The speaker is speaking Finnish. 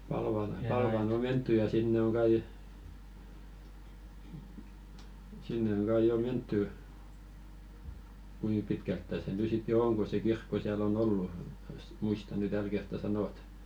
Palvalla Palvaan on menty ja sinne on kai sinne on kai jo menty kuinka pitkältä se nyt sitten jo on kun se kirkko siellä on ollut muista nyt tällä kertaa sanoa